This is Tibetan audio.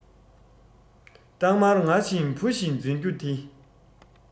སྟག དམར ངར བཞིན བུ བཞིན འཛིན རྒྱུ འདི